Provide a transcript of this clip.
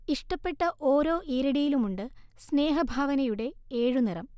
ഇഷ്ടപ്പെട്ട ഓരോ ഈരടിയിലുമുണ്ടു സ്നേഹഭാവനയുടെ ഏഴു നിറം